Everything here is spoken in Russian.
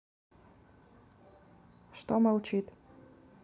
что молчит